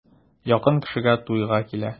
Якын кешегә туйга килә.